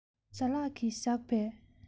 བྱ གླག གིས བཞག པའི